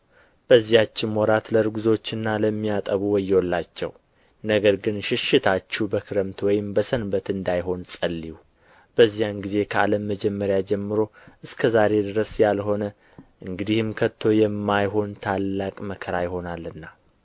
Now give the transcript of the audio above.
በዚያችም ወራት ለርጉዞችና ለሚያጠቡ ወዮላቸው ነገር ግን ሽሽታችሁ በክረምት ወይም በሰንበት እንዳይሆን ጸልዩ በዚያን ጊዜ ከዓለም መጀመሪያ ጀምሮ እስከ ዛሬ ድረስ ያልሆነ እንግዲህም ከቶ የማይሆን ታላቅ መከራ ይሆናልና